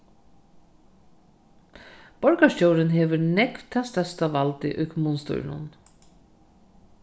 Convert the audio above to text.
borgarstjórin hevur nógv tað størsta valdið í kommunustýrinum